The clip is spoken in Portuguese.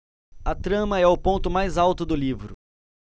a trama é o ponto mais alto do livro